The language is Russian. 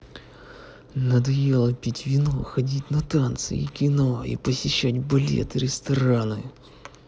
надоело пить вино ходить на танцы и кино и посещать балеты рестораны